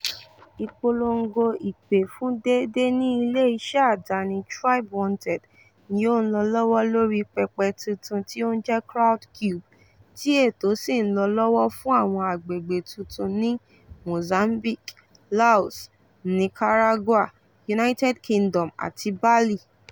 Ìpolongo ìpè fún déédé ní ilé iṣẹ́ àdáni TribeWanted ni ó ń lọ lọ́wọ́ lórí pẹpẹ tuntun tí ó ń jẹ́ Crowdcube, tí ètò sì ń lọ lọ́wọ́ fún àwọn àgbègbè tuntun ní Mozambique, Laos, Nicaragua, United Kingdom àti Bali.